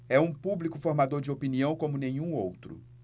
é um público formador de opinião como nenhum outro